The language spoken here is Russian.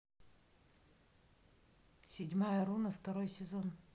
седьмая руна второй сезон